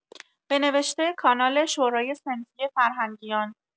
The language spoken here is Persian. به نوشته کانال شورای صنفی فرهنگیان